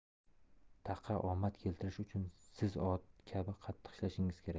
taqa omad keltirishi uchun siz ot kabi qattiq ishlashingiz kerak